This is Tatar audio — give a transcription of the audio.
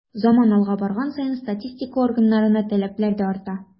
Заман алга барган саен статистика органнарына таләпләр дә арта.